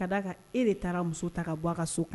Ka d'a kan e de taara muso ta ka bɔ a ka so